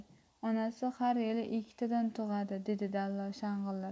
onasi har yili ikkitadan tug'adi dedi dallol shang'illab